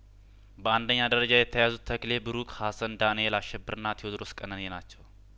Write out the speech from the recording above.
በአንደኛ ደረጃ የተያዙት ተክሌ ብሩክ ሀሰን ዳንኤል አሸብርና ቴዎድሮስ ቀነኔ ናቸው